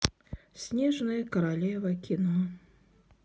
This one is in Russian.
снежная королева кино